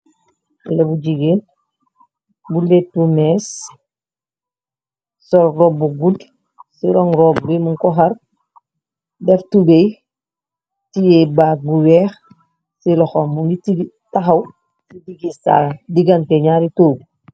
le bu jigeen bu letu mees sol robb gud ci rong rob gi mu koxar def tugey tiye baag bu weex ci loxom ngi c taxaw ci digis saaa digante ñaari tuug